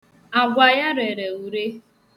Agwa ya rere ure.